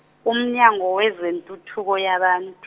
uMnyango wezeNtuthuko yaBant-.